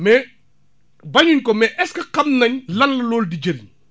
mais bañuñ ko mais est ce que xam nañ lan la loolu di jëriñ